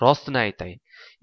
rostini aytay